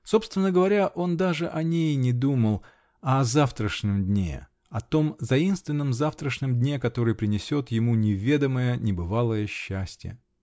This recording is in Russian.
Собственно говоря, он даже о ней не думал -- а о завтрашнем дне, о том таинственном завтрашнем дне, который принесет ему неведомое, небывалое счастье!